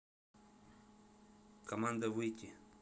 команда выйти